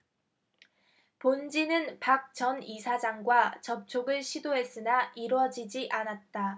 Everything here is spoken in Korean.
본지는 박 전 이사장과 접촉을 시도했으나 이뤄지지 않았다